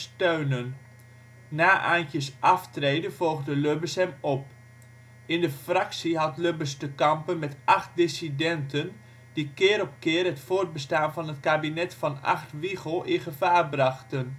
steunen. Na Aantjes ' aftreden volgde Lubbers hem op. In de fractie had Lubbers te kampen met acht dissidenten, die keer op keer het voortbestaan van het kabinet Van Agt-Wiegel in gevaar brachten. De